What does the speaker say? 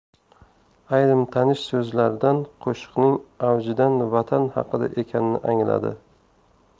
ayrim tanish so'zlardan qo'shiqning avjidan vatan haqida ekanini angladi